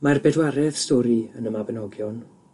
Mae'r bedwaredd stori yn y Mabinogion